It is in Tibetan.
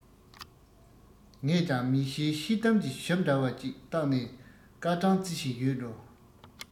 ངས ཀྱང མིག ཤེལ ཤེལ དམ གྱི ཞབས འདྲ བ ཞིག བཏགས ནས སྐར གྲངས རྩི བཞིན ཡོད འགྲོ